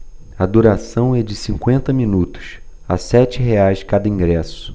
a duração é de cinquenta minutos a sete reais cada ingresso